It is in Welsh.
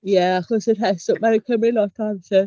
Ie, achos y rhesw- mae e'n cymryd lot o amser.